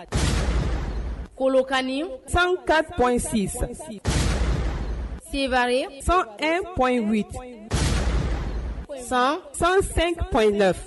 Kolonkani san ka p seri san e p san sansen p in la